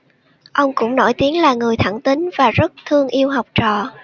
ông cũng nổi tiếng là người thẳng tính và rất thương yêu học trò